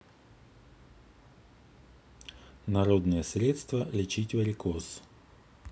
народные средства лечить варикоз